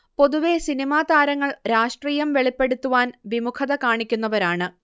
പൊതുവെ സിനിമാതാരങ്ങൾ രാഷ്ട്രീയം വെളിപ്പെടുത്തുവാൻ വിമുഖത കാണിക്കുന്നവരാണ്